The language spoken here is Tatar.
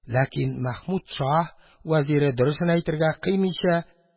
Әкин мәхмүд шаһ вәзире, дөресен әйтергә кыймыйча